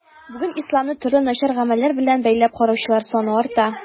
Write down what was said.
Бүген исламны төрле начар гамәлләр белән бәйләп караучылар саны арта.